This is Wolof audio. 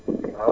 Ndola